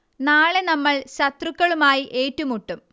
നാളെ നമ്മൾ ശത്രുക്കളുമായി ഏറ്റുമുട്ടും